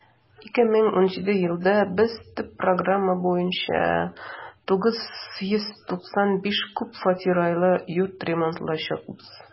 2018 елда без төп программа буенча 995 күп фатирлы йорт ремонтлаячакбыз.